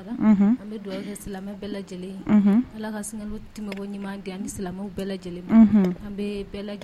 Ala ka sina te ɲuman gɛn an ni silamɛ bɛɛ lajɛlen an bɛ bɛɛ